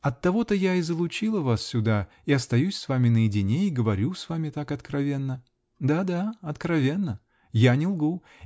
Оттого я и залучила вас сюда, и остаюсь с вами наедине, и говорю с вами так откровенно. Да, да, откровенно . Я не лгу.